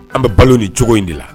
An bɛ balo ni cogo in de la